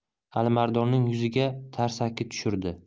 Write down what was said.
alimardonning yuziga tarsaki tushird